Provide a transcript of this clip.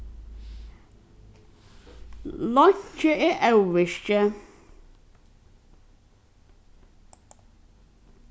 leinkið er óvirkið